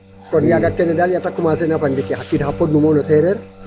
Kon yaaga kene daal yate commencer na fo ndiiki xa qiid xa podnum o no seereer&